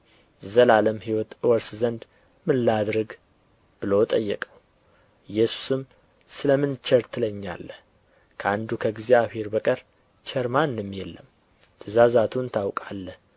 ዘላለም ሕይወትን እወርስ ዘንድ ምን ላድርግ ብሎ ጠየቀው ኢየሱስም ስለ ምን ቸር ትለኛለህ ከአንዱ ከእግዚአብሔር በቀር ቸር ማንም የለም ትእዛዛትን ታውቃለህ